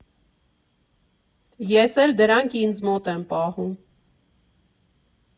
Ես էլ դրանք ինձ մոտ եմ պահում։